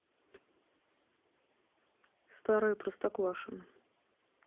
старое простоквашино